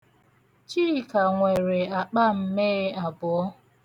Chika nwere akpa mmee abụọ.